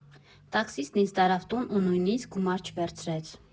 Տաքսիստն ինձ տարավ տուն ու նույնիսկ գումար չվերցրեց։